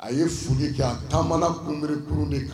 A ye f kɛ tamala kunb kun de kan